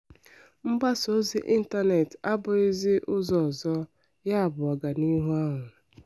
Mgbasa ozi ịntanetị abụghịzi ụzọ ọzọ: ya bụ ọdịnihu ahụ.